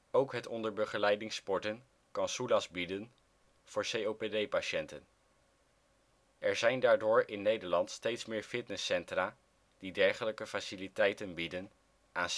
Ook het onder begeleiding sporten kan soelaas bieden voor COPD patiënten. Er zijn daardoor in Nederland steeds meer fitnesscentra die dergelijke faciliteiten bieden aan